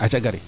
aca gari